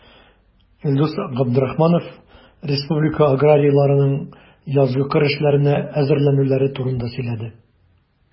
Илдус Габдрахманов республика аграрийларының язгы кыр эшләренә әзерләнүләре турында сөйләде.